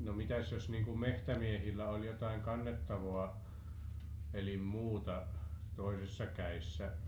no mitäs jos niin kuin metsämiehillä oli jotakin kannettavaa eli muuta toisessa kädessä